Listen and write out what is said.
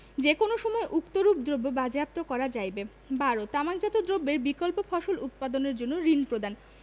যে কোন সময় উক্তরূপ দ্রব্য বাজেয়াপ্ত করা যাইবে ১২ তামাকজাত দ্রব্যের বিকল্প ফসল উৎপাদনের জন্য ঋণ প্রদানঃ